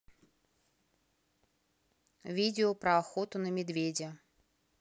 видео про охоту на медведя